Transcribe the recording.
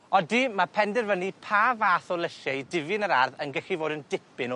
Odi ma' penderfynu pa fath o lysie i difu'n yr ardd yn gechu fod yn dipyn o